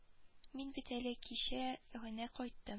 Мин бит әле кичә генә кайттым